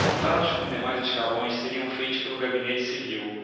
contatos com demais escalões seriam feitos pelo gabinete civil